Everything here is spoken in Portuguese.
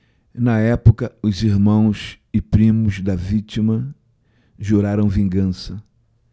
na época os irmãos e primos da vítima juraram vingança